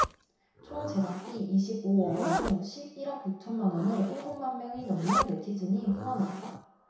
총 제작비 이십 오 억원 중 십 일 억 육천 만원을 일곱 만명이 넘는 네티즌이 후원했다